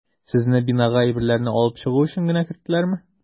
Сезне бинага әйберләрне алып чыгу өчен генә керттеләрме?